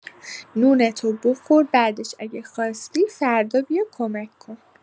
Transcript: نونتو بخور، بعدش اگه خواستی، فردا بیا کمک کن.